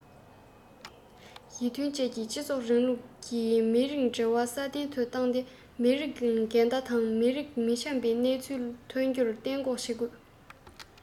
ཞི མཐུན བཅས ཀྱི སྤྱི ཚོགས རིང ལུགས ཀྱི མི རིགས འབྲེལ བ སྲ བརྟན དུ བཏང སྟེ མི རིགས འགལ ཟླ དང མི རིགས མི འཆམ པའི སྣང ཚུལ ཐོན རྒྱུ གཏན འགོག བྱེད དགོས